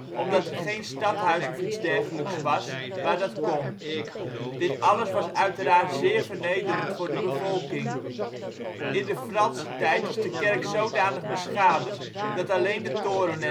geen stadhuis of iets dergelijks was waar dat kon. Dit alles was uiteraard zeer vernederend voor de bevolking. In de Franse tijd is de kerk zodanig beschadigd, dat alleen de toren